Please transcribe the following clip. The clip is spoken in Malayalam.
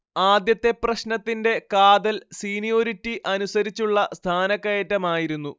ആദ്യത്തെ പ്രശ്നത്തിന്റെ കാതൽ സീനിയോരിറ്റി അനുസരിച്ചുള്ള സ്ഥാനക്കയറ്റമായിരുന്നു